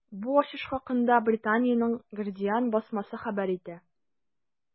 Бу ачыш хакында Британиянең “Гардиан” басмасы хәбәр итә.